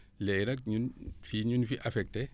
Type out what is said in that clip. léegi nag ñun fii ñu ñu fi affecté